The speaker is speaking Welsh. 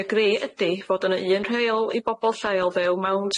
Y gri ydi fod yno un rheol i bobol lleol fyw mewn